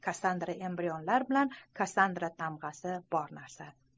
kassandra embrionlar bilan kassandra tamg'asi bor narsa